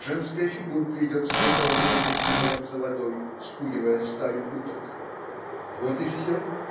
Женская фигурка идет с крутого берега с ведром за водой, спугивая стаю уток. Вот и все